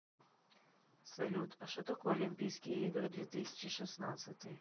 салют а что такое олимпийские игры две тысячи шестнадцатый